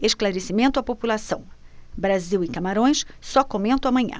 esclarecimento à população brasil e camarões só comento amanhã